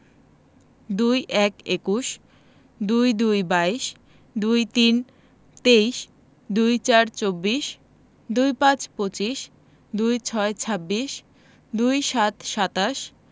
২১ একুশ ২২ বাইশ ২৩ তেইশ ২৪ চব্বিশ ২৫ পঁচিশ ২৬ ছাব্বিশ ২৭ সাতাশ